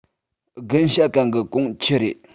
དགུན ཞྭ གན གི གོང ཆི རེད